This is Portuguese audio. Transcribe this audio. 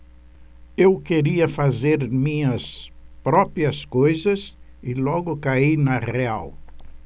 eu queria fazer minhas próprias coisas e logo caí na real